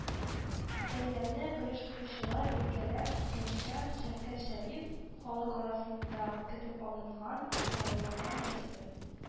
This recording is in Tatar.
Бәйрәмне оештыручылар билгеләп үткәнчә, “Шәфкать Шәриф” – халык арасында көтеп алынган чараларның берсе